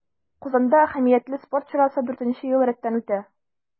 Казанда әһәмиятле спорт чарасы дүртенче ел рәттән үтә.